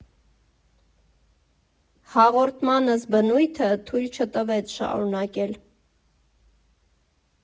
Հաղորդմանս բնույթը թույլ չտվեց շարունակել։